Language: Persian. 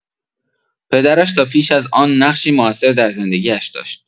پدرش تا پیش از آن نقشی موثر در زندگی‌اش داشت.